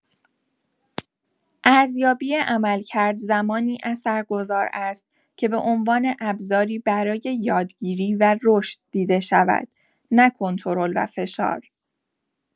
ارزیابی عملکرد زمانی اثرگذار است که به‌عنوان ابزاری برای یادگیری و رشد دیده شود، نه کنترل و فشار.